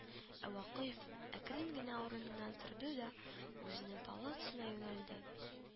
Ә вакыйф әкрен генә урыныннан торды да үзенең палатасына юнәлде